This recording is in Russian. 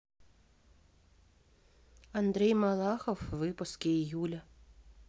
андрей малахов выпуски июля